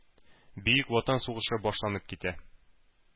Бөек Ватан сугышы башланып китә.